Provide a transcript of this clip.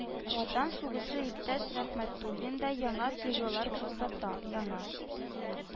Ватан сугышы иптәш Рәхмәтуллинда яңа тойгылар кузгата, яңа